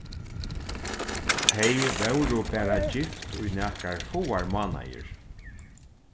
tey vóru bara gift í nakrar fáar mánaðir